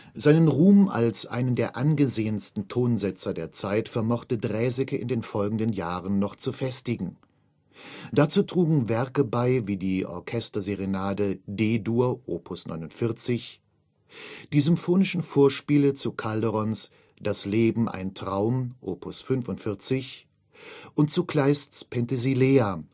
Seinen Ruhm als einen der angesehensten Tonsetzer der Zeit vermochte Draeseke in den folgenden Jahren noch zu festigen. Dazu trugen Werke bei wie die Orchesterserenade D-Dur op. 49, die Symphonischen Vorspiele zu Calderóns Das Leben ein Traum op. 45 und zu Kleists Penthesilea